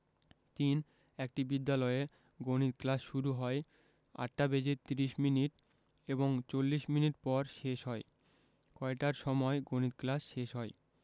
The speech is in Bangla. ৩ একটি বিদ্যালয়ে গণিত ক্লাস শুরু হয় ৮টা বেজে ৩০ মিনিট এবং ৪০ মিনিট পর শেষ হয় কয়টার সময় গণিত ক্লাস শেষ হয়